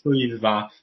...swyddfa.